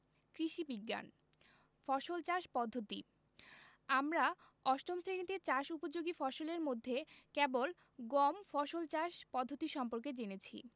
কৃষি বিজ্ঞান ফসল চাষ পদ্ধতি আমরা অষ্টম শ্রেণিতে চাষ উপযোগী ফসলের মধ্যে কেবল গম ফসল চাষ পদ্ধতি সম্পর্কে জেনেছি